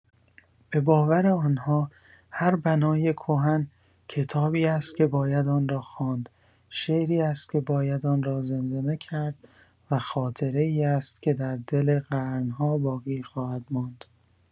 به باور آن‌ها، هر بنای کهن، کتابی است که باید آن را خواند، شعری است که باید آن را زمزمه کرد، و خاطره‌ای است که در دل قرن‌ها باقی خواهد ماند.